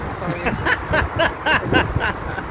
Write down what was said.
I'm sorry I shouted at you.